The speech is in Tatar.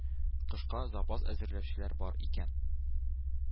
Кышка запас әзерләүчеләр бар икән.